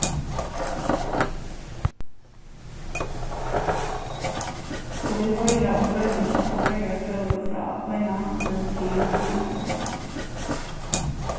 og vit hoyra um broytingina tá ið føroyar fóru frá einahandli til fríhandil